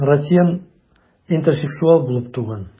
Ратьен интерсексуал булып туган.